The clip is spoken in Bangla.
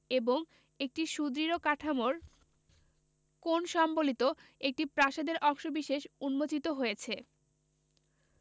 এবং একটি সুদৃঢ় কাঠামোর কোণ সম্বলিত একটি প্রাসাদের অংশবিশেষ উন্মোচিত হয়েছে